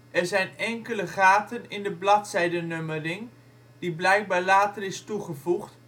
zijn enkele gaten in de bladzijdenummering (die blijkbaar later is toegevoegd